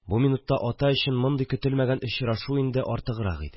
Бу минутта ата өчен мондый көтелмәгән очрашу инде артыграк иде